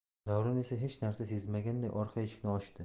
davron esa hech narsa sezmaganday orqa eshikni ochdi